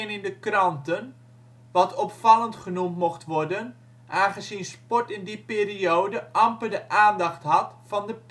in de kranten, wat opvallend genoemd mocht worden aangezien sport in die periode amper de aandacht had van de